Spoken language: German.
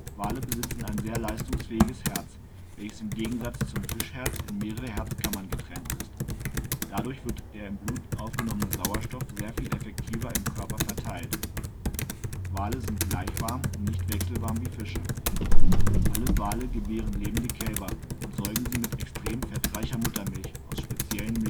Wale besitzen ein sehr leistungsfähiges Herz, welches im Gegensatz zum Fischherz in mehrere Herzkammern getrennt ist. Dadurch wird der im Blut aufgenommene Sauerstoff sehr viel effektiver im Körper verteilt. Wale sind gleichwarm und nicht wechselwarm wie Fische. Alle Wale gebären lebende Kälber und säugen sie mit extrem fettreicher Muttermilch aus speziellen